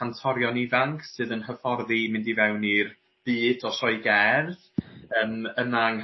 cantorion ifanc sydd yn hyfforddi mynd i fewn i'r byd o sioe gerdd. Yym. Yma yng...